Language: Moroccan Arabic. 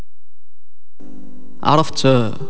عرفت